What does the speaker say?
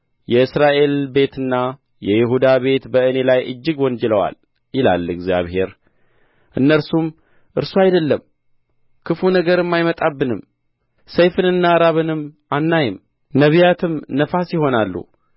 የእስራኤል ቤትና የይሁዳ ቤት በእኔ ላይ እጅግ ወንጅለዋል ይላል እግዚአብሔር እነርሱም እርሱ አይደለም ክፉ ነገርም አይመጣብንም ሰይፍንና ራብንም አናይም ነቢያትም ነፋስ ይሆናሉ